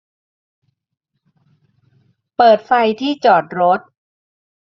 เปิดไฟที่จอดรถ